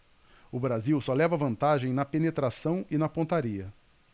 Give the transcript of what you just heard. o brasil só leva vantagem na penetração e na pontaria